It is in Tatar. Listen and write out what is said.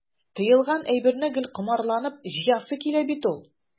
Тыелган әйберне гел комарланып җыясы килә бит ул.